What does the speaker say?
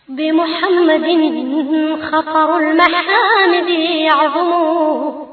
Denmuunɛgɛninunɛgɛnin yo yo